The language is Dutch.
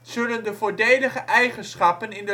zullen de voordelige eigenschappen in